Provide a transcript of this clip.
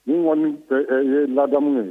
Nin kɔni tɛ e ye ladamu ye